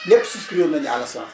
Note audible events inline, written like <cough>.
<noise> ñëpp souscrire nañu à l' assurance